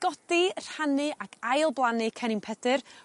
godi rhannu ac ail blannu cennin Pedyr